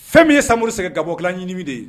Fɛn min ye samuru se gabɔlalanɲinimi de ye